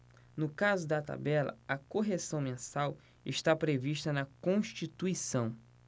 no caso da tabela a correção mensal está prevista na constituição